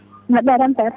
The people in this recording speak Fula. mba??a e tampere